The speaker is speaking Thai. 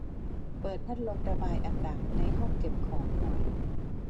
เปิดพัดลมระบายอากาศในห้องเก็บของหน่อย